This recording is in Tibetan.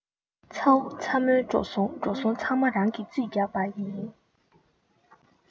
ཚ བོ ཚ མོའི འགྲོ སོང འགྲོ སོང ཚང མ རང གིས རྩིས རྒྱག པ ཡིན